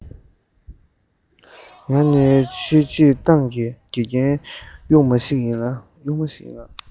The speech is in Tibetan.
ང ནི ཆེས སྤྱིར བཏང གི དགེ རྒན དཀྱུས མ ཞིག ཡིན